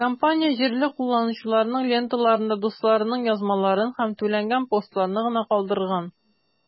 Компания җирле кулланучыларның ленталарында дусларының язмаларын һәм түләнгән постларны гына калдырган.